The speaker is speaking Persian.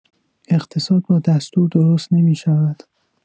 اقتصاد با دستور درست نمی‌شود.